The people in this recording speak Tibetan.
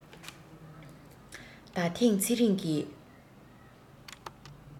ད ཐེངས ཚེ རིང གིས